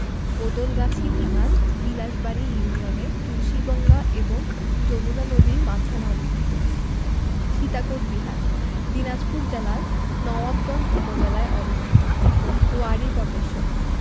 বদলগাছি থানার বিলাসবাড়ি ইউনিয়নে তুলসীগঙ্গা এবং যমুনা নদীর মাঝখানে অবস্থিত সীতাকোট বিহার দিনাজপুর জেলার নওয়াবগঞ্জ উপজেলায় অবস্থিত ওয়ারী বটেশ্বর